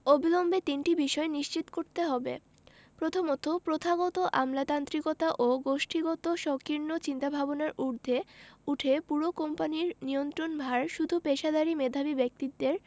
অবিলম্বে তিনটি বিষয় নিশ্চিত করতে হবে প্রথমত প্রথাগত আমলাতান্ত্রিকতা ও গোষ্ঠীগত সংকীর্ণ চিন্তাভাবনার ঊর্ধ্বে উঠে পুরো কোম্পানির নিয়ন্ত্রণভার শুধু পেশাদারি মেধাবী ব্যক্তিদের